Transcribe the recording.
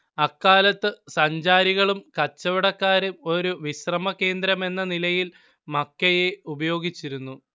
അക്കാലത്ത് സഞ്ചാരികളും കച്ചവടക്കാരും ഒരു വിശ്രമ കേന്ദ്രമെന്ന നിലയിൽ മക്കയെ ഉപയോഗിച്ചിരുന്നു